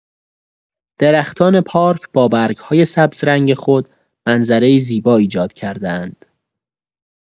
درختان پارک با برگ‌های سبزرنگ خود، منظره‌ای زیبا ایجاد کرده‌اند.